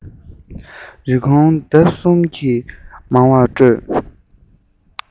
རིན གོང ལྡབ གསུམ གྱིས མང བར སྤྲོད